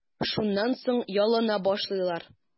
Шуннан соң ялына башлыйлар.